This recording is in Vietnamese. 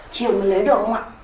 chiều mới lấy được ông ạ